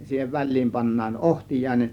ja siihen väliin pannaan ohtiainen